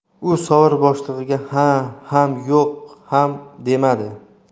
u sobiq boshlig'iga ha ham yo'q ham demadi